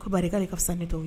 Ko ba de ka fisa ne tɛ ye